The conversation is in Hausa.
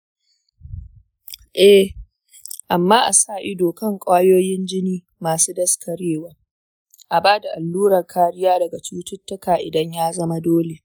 eh, amma a sa ido kan ƙwayoyin jini masu daskarewa. a ba da allurar kariya daga cututtuka idan ya zama dole.